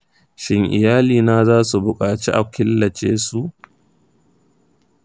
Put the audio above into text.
shin iyalina za su buƙaci a killace su ?